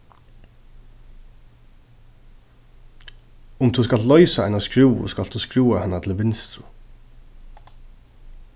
um tú skalt loysa eina skrúvu skalt tú skrúva hana til vinstru